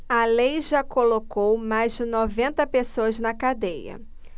a lei já colocou mais de noventa pessoas na cadeia